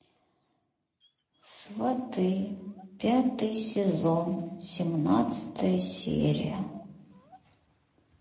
сваты пятый сезон семнадцатая серия